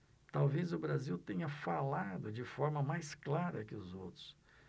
talvez o brasil tenha falado de forma mais clara que os outros